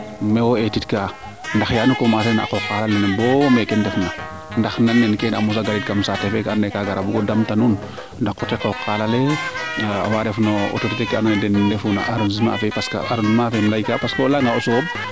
na wo eetit kaa yaanu commencer a qooq qalole bo mene nu ndefna ndax nan nen keen a mosa garid mene kam saate fe ando naye ka bugo gara damta nuun na coté qoqale nda awaa ref no autorité ke ando naye den ndefu no arrondissement fee parce que arrondissement fee im leyka parce que o leya nga o sooɓ